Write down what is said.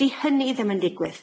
'Di hynny ddim yn digwydd.